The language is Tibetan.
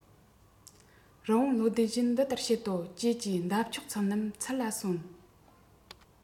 རི བོང བློ ལྡན གྱིས འདི ལྟར བཤད དོ ཀྱེ ཀྱེ འདབ ཆགས ཚོགས རྣམས ཚུར ལ གསོན